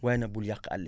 waaye nag bul yàq àll bi